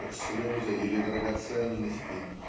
как слезы или драгоценности